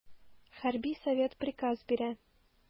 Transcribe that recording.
Хәрби совет приказ бирә.